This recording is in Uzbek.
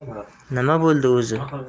nima bo'ldi o'zi